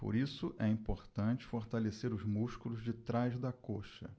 por isso é importante fortalecer os músculos de trás da coxa